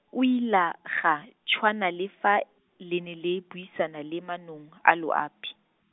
o ila ga, tshwana le fa, le ne le buisana le manong, a loapi.